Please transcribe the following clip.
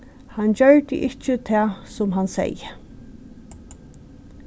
hann gjørdi ikki tað sum hann segði